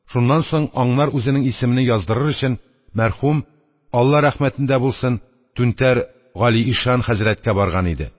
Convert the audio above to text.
Шуннан соң, аңар үзенең исемене яздырыр өчен, мәрхүм (Алла рәхмәтендә булсын!) Түнтәр (Гали ишан) хәзрәткә барган иде.